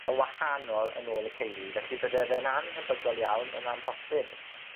yn wahanol yn ôl y teulu. Felly, bydde fe'n annhebygol iawn, yn amhosib,